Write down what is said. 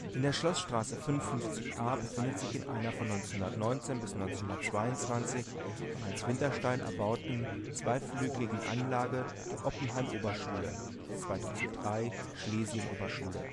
In der Schloßstraße 55a befindet sich in einer von 1919 bis 1922 von Hans Winterstein erbauten zweiflügeligen Anlage die Oppenheim-Oberschule (bis 2003 Schlesien-Oberschule